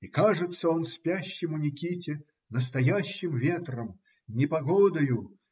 И кажется он спящему Никите настоящим ветром, непогодою.